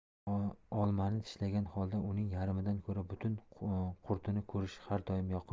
olmani tishlagan holda uning yarmidan ko'ra butun qurtni ko'rish har doim yoqimli